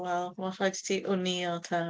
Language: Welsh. Wel, wel rhaid i ti wnïo te.